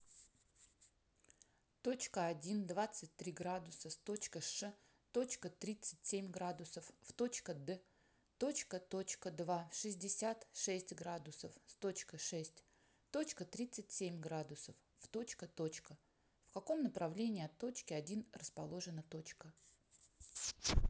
точка один двадцать три градуса с точка ш точка тридцать семь градусов в точка д точка точка два шестьдесят шесть градусов с точка шесть точка тридцать семь градусов в точка точка в каком направлении от точки один расположена точка